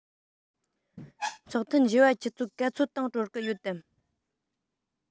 ཚོགས ཐུན བཞི པ ཆུ ཚོད ག ཚོད སྟེང གྲོལ གི ཡོད དམ